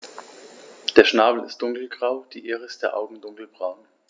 Der Schnabel ist dunkelgrau, die Iris der Augen dunkelbraun.